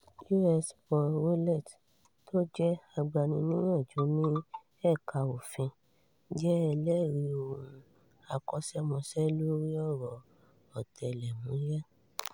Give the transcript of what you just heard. U.S. Paul Rowlett, tó jẹ́ agbaniníyànju ní ẹ̀ka Òfin, jẹ́ ẹlẹ́rìí òun akọṣẹ́mọṣẹ́ lórí ọ̀rọ̀ ọ̀tẹlẹ̀múyé.